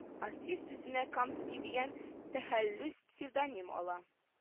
Артист үзенә камский дигән тәхәллүс псевдоним ала